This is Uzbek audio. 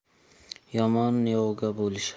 yomon yovga bo'lishar